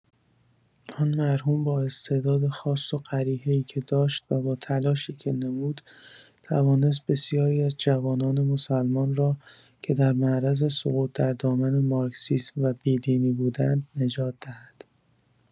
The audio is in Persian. آن مرحوم بااستعداد خاص و قریحه‌ای که داشت و با تلاشی که نمود توانست بسیاری از جوانان مسلمان را که در معرض سقوط در دامن مارکسیسم و بی‌دینی بودند نجات دهد.